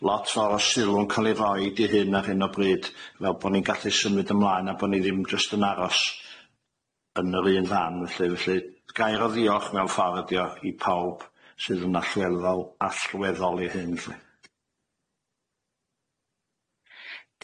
lot fawr o sylw yn ca'l i roid i hyn ar hyn o bryd fel bo' ni'n gallu symud ymlaen a bo' ni ddim jyst yn aros, yn yr un fan felly, felly gair o ddiolch mewn ffor' ydi o i pawb sydd yn allweddol, allweddol i hyn lly.